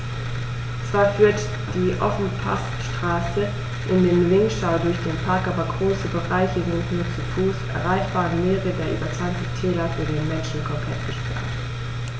Zwar führt die Ofenpassstraße in den Vinschgau durch den Park, aber große Bereiche sind nur zu Fuß erreichbar und mehrere der über 20 Täler für den Menschen komplett gesperrt.